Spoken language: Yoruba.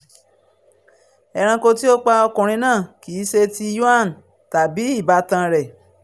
Ẹranko tí ó pa ọkùnrin náà kìí ṣe ti Yuan tàbí ìbátan rẹ̀.